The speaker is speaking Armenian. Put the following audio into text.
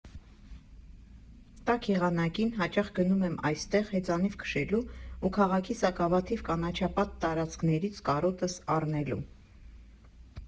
Տաք եղանակին հաճախ գնում եմ այստեղ հեծանիվ քշելու ու քաղաքի սակավաթիվ կանաչապատ տարածքներից կարոտս առնելու։